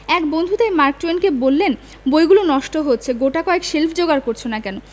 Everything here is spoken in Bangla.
এক বন্ধু তাই মার্ক টুয়েনকে বললেন বইগুলো নষ্ট হচ্ছে গোটাকয়েক শেল্ফ যোগাড় করছ না কেন